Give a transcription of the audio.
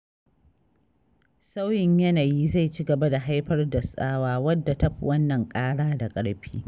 Sauyin yanayi zai ci gaba haifar da tsawa wadda ta fi wannan ƙara da ƙarfi.